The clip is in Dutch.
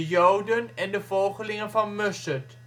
Joden en de volgelingen van Mussert